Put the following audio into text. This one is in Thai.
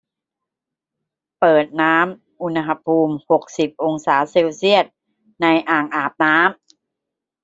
เปิดน้ำอุณหภูมิหกสิบองศาเซลเซียสในอ่างอาบน้ำ